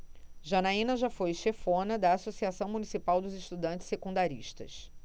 janaina foi chefona da ames associação municipal dos estudantes secundaristas